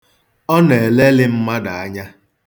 Ọ na-eleli mmadụ anya.